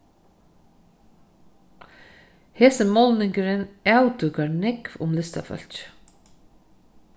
hesin málningurin avdúkar nógv um listafólkið